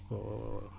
waaw waaw waaw